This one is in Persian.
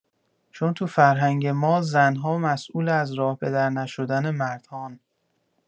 چون تو فرهنگ ما زن‌ها مسئول از راه به در نشدن مردهان.